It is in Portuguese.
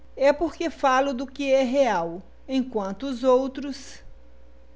é porque falo do que é real enquanto os outros